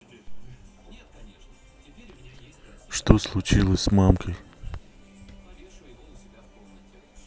что случилось с мамкой